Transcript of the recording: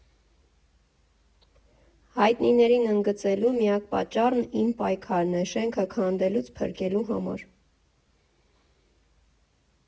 Հայտնիներին ընդգծելու միակ պատճառն իմ պայքարն է՝ շենքը քանդելուց փրկելու համար։